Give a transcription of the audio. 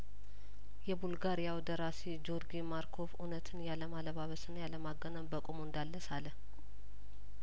የቡልጋሪያው ደራሲ ጆርጊ ማርኮቭ እውነትን ያለማለባበስና ያለማጋነን በቁሙ እንዳለ ሳለ